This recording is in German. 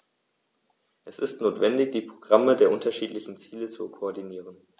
Es ist notwendig, die Programme der unterschiedlichen Ziele zu koordinieren.